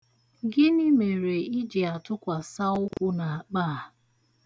Gịnị mere i ji atụkwàsa ukwu n'akpa a?